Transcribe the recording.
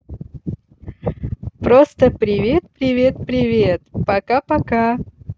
просто привет привет привет пока пока